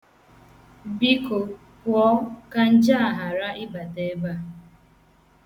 Biko, pụọ ka nje a ghara ịbata ebea!